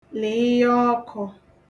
lị̀ịya ̣ọkụ̄